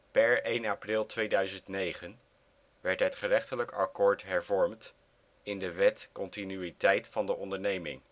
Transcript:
Per 1 april 2009 werd het gerechtelijk akkoord hervormd in de " Wet continuïteit van de onderneming